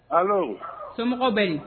Ɔwɔ somɔgɔw bɛ yen